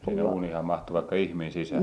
sinne uuniinhan mahtui vaikka ihminen sisään